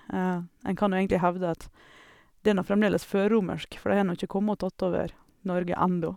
En kan jo egentlig hevde at det er nå fremdeles førromersk, for de har nå ikke kommet og tatt over Norge enda.